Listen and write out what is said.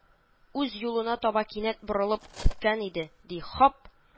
Үз юлына таба кинәт борылып киткән иде, ди, һап! э